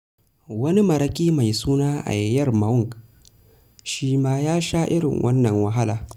Wani maraƙi mai suna Ayeyar Maung shi ma ya sha irin wannan wahala.